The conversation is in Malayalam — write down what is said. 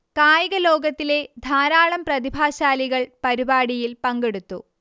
കായിക ലോകത്തിലെ ധാരാളം പ്രതിഭാശാലികൾ പരിപാടിയിൽ പങ്കെടുത്തു